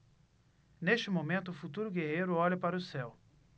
neste momento o futuro guerreiro olha para o céu